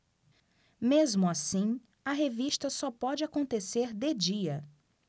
mesmo assim a revista só pode acontecer de dia